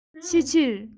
ཕྱི ཕྱིར